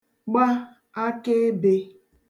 gba akaebē